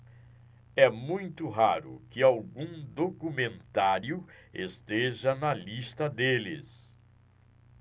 é muito raro que algum documentário esteja na lista deles